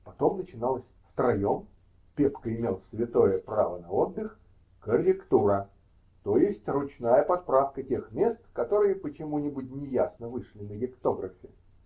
Потом начиналась втроем (Пепка имел святое право на отдых) корректура, т.е. ручная подправка тех мест, которые почему нибудь неясно вышли на гектографе.